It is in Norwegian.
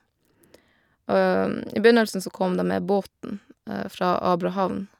Og i begynnelsen så kom dem med båten fra Abrahavn.